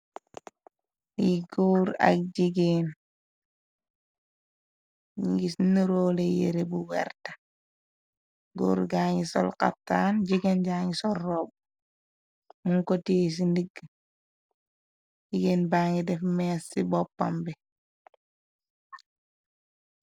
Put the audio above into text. Li góor ak jigeen ngis nëroole yere bu werta , góor gangi sol xaftan, jigeen jangi sol roba. Mu ko téey ci ndigg, jigéen ba ngi def mees ci boppam bi.